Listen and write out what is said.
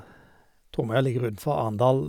Tromøya ligger utenfor Arendal.